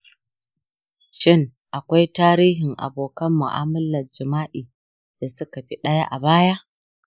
shin akwai tarihin abokan mu’amalar jima’i da suka fi ɗaya a baya?